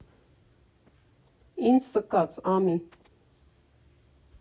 Ինձ սկաց, ամի։